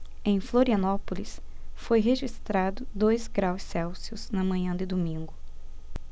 em florianópolis foi registrado dois graus celsius na manhã de domingo